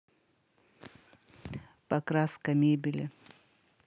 покраска мебели